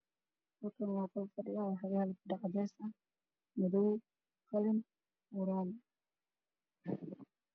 Halkaan waa qol fadhiya cadees madoow qalin ural